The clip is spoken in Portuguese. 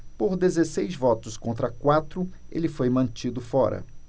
por dezesseis votos contra quatro ele foi mantido fora